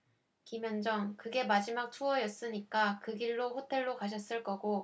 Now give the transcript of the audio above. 김현정 그게 마지막 투어였으니까 그 길로 호텔로 가셨을 거고